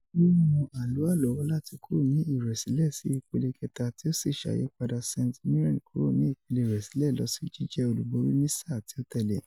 Ó wá rán Alloa lọ́wọ́ láti kúrò ní ìrẹ̀sílẹ̀ sí ìpele kẹta, tí ó sì ṣàyípadà St Mirren kúrò ní ìpele ìrẹ̀sílẹ̀ lọ́ sí jíjẹ́ olúborí ní sáà tí ó tẹ̀le.